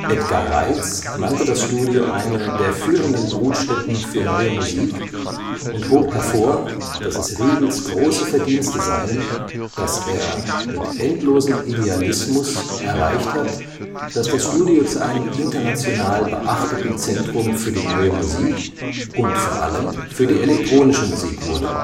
Edgar Reitz nannte das Studio eine „ der führenden Brutstätten für neue Musik “und hob hervor, dass es Riedls große Verdienste seien, dass er „ mit endlosem Idealismus […] erreicht hat, dass das Studio zu einem international beachteten Zentrum für die neue Musik und vor allem für die elektronische Musik wurde